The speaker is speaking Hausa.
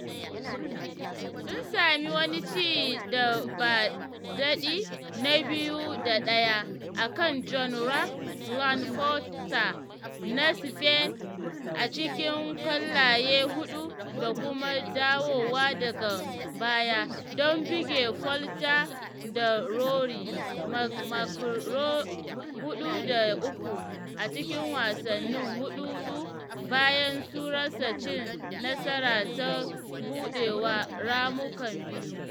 Sun sami wani ci da ba daɗi na 2 da 1 a kan Jon Rahm Ian Poulter na Spain a cikin ƙwallaye huɗu da kuma dawowa daga baya don buge Poulter da Rory McIlroy 4 da 3 a cikin wasannin huɗu-huɗu bayan su rasa cin nasara ta buɗewa ramukan biyu.